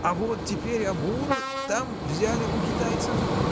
— А вот теперь Амур там взяли у китайцев